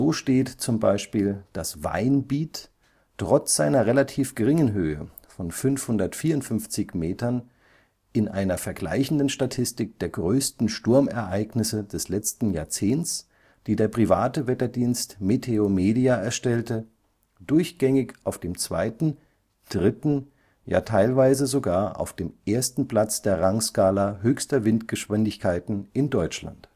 steht z. B. das Weinbiet trotz seiner relativ geringen Höhe von 554 m in einer vergleichenden Statistik der größten Sturmereignisse des letzten Jahrzehnts, die der private Wetterdienst Meteomedia erstellte, durchgängig auf dem zweiten, dritten, ja teilweise sogar auf dem ersten Platz der Rangskala höchster Windgeschwindigkeiten in Deutschland